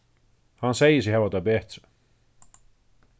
hann segði seg hava tað betri